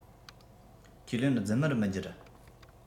ཁས ལེན རྫུན མར མི འགྱུར